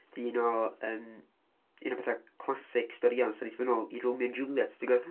Un o bethau yym un o pethau classic straeon ti'n mynd yn ôl i Romeo and Juliet tibod.